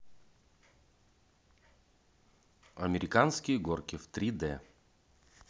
американские горки в три д